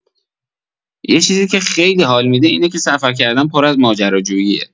یه چیزی که خیلی حال می‌ده اینه که سفر کردن پر از ماجراجوییه.